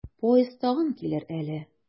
Поезд тагын килер әле.